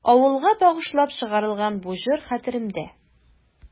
Авылга багышлап чыгарылган бу җыр хәтеремдә.